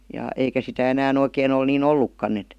ja eikä sitä enää oikein ole niin ollutkaan että